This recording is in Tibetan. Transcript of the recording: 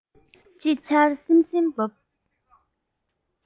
དཔྱིད ཆར གསིམ གསིམ བབས